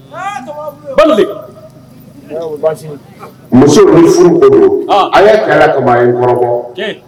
Muso furu bolo a kɛra kama in kɔrɔbɔ